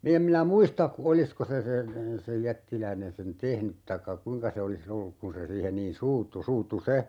minä en minä muista olisiko se sen sen jättiläinen sen tehnyt tai kuinka se olisi ollut kun se siihen niin suuttui suuttui se